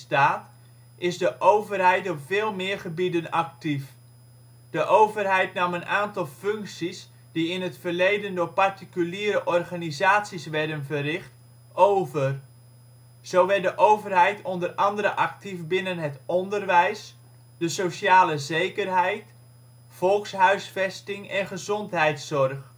de overheid op veel meer gebieden actief. De overheid nam een aantal functies die in het verleden door particuliere organisaties werden verricht over. Zo werd de overheid onder andere actief binnen het onderwijs, de sociale zekerheid, volkshuisvesting, en gezondheidszorg